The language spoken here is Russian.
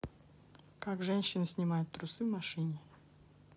как женщины снимают трусы в машине